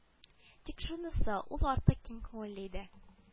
Тик шунысы ул артык киң күңелле иде